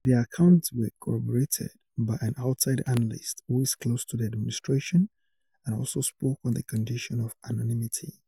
Their accounts were corroborated by an outside analyst who is close to the administration and also spoke on the condition of anonymity.